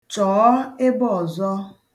Chọọ ebe ọzọ.